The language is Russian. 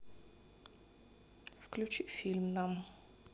включи фильм нам